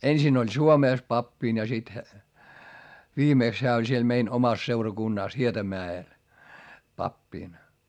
ensin oli Suomessa pappina ja sitten viimeksi hän oli siellä meidän omassa seurakunnassa Hietamäellä pappina